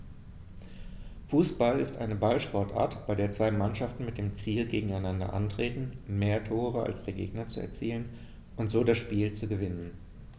Fußball ist eine Ballsportart, bei der zwei Mannschaften mit dem Ziel gegeneinander antreten, mehr Tore als der Gegner zu erzielen und so das Spiel zu gewinnen.